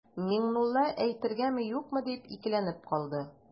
Миңнулла әйтергәме-юкмы дип икеләнеп калды.